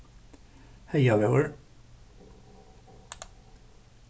heygavegur